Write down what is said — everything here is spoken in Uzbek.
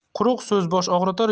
quruq so'z bosh og'ritar